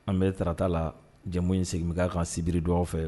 An bɛ tata la jɛ in sigilen' kan sibiri don fɛ